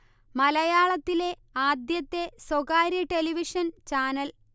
മലയാളത്തിലെ ആദ്യത്തെ സ്വകാര്യ ടെലിവിഷൻ ചാനൽ